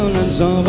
gió